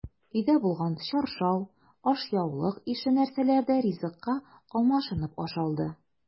Өйдә булган чаршау, ашъяулык ише нәрсәләр дә ризыкка алмашынып ашалды.